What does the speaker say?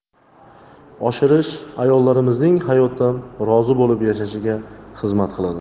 oshirish ayollarimizning hayotdan rozi bo'lib yashashiga xizmat qiladi